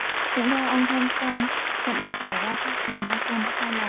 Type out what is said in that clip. cũng theo ông thompson nhận định xảy ra chu kỳ michael đã sai lầm